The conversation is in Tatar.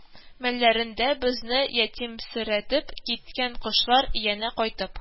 Мәлләрендә безне ятимсерәтеп киткән кошлар, янә кайтып